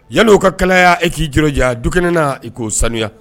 Yan'u ka kalaya e k'i jolo ja, dukɛnɛna i k'o sanuya.